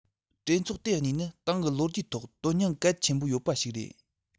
གྲོས ཚོགས དེ གཉིས ནི ཏང གི ལོ རྒྱུས ཐོག དོན སྙིང གལ ཆེན པོ ཡོད པ ཞིག རེད